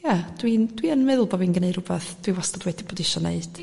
ia dwi'n... dwi yn meddwl bo' fi'n gneud rwbath dwi wastad wedi bod i isio neud